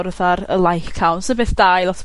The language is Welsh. o'r fatha'r y like count, sy'n beth da i lot o...